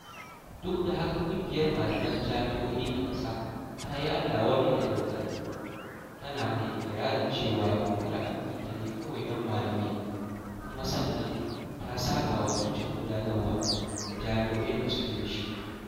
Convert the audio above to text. Duk da haka, ƙungiyar Malaman Jami'o'i ta ƙasa ta yi Allah wadai da dokar, tana mai iƙirarin cewa dokar an yi ta ne kawai don malamai kuma sannan ta saɓawa 'yancin gudanarwa da jami'o'in suke da shi.